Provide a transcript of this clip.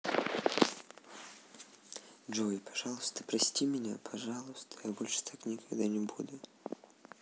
джой пожалуйста прости меня пожалуйста я больше так никогда не буду